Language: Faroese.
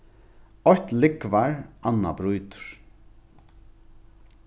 eitt lúgvar annað brýtur